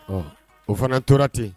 Ɔ o fana tora ten